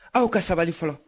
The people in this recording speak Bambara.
aw ka sabali fɔlɔ